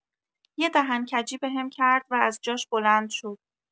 یه دهن‌کجی بهم کرد و از جاش بلند شد.